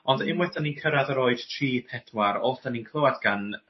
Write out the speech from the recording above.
Ond unwaith 'dan ni'n cyrradd yr oed tri pedwar also ni'n clwad gan